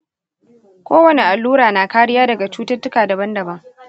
ko wani allura na kariya daga cututtuka daban daban.